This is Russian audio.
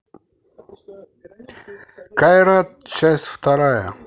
кайрат часть вторая